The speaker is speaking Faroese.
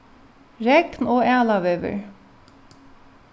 regn og ælaveður